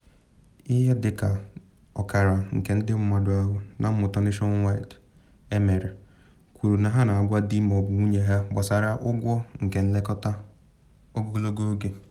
Ihe dị ka okara nke ndị mmadụ ahụ na mmụta Nationwide emere kwuru na ha na agwa di ma ọ bụ nwunye ha okwu gbasara ụgwọ nke nlekọta ogologo oge.